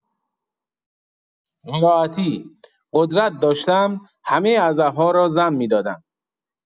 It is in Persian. قرائتی: قدرت داشتم همه عزب‌ها را زن می‌دادم.